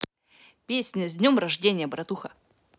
песня с днем рождения братуха